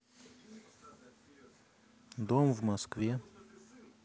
дом в москве